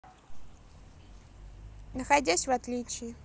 находясь в отличие